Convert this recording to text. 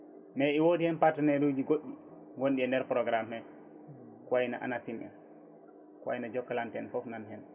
mais i woodi hen partenaire uji goɗɗi wonɗi e nder programme he ko wayno ANACIM en ko wayno Jokalante en foof nan hen